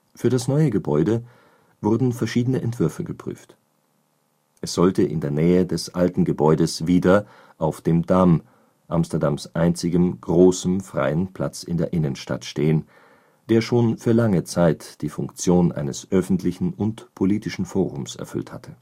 Für das neue Gebäude wurden verschiedene Entwürfe geprüft. Es sollte in der Nähe des alten Gebäudes wieder auf dem Dam, Amsterdams einzigem großem, freien Platz in der Innenstadt stehen, der schon für lange Zeit die Funktion eines öffentlichen und politischen Forums erfüllt hatte